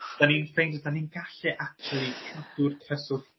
'dan ni'n ffeindio 'dan ni'n gallu actually cadw'r cyswllt